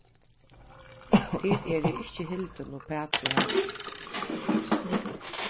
tit eru ikki hildin uppat við hasum